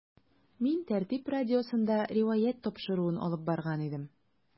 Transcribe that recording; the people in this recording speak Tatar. “мин “тәртип” радиосында “риваять” тапшыруын алып барган идем.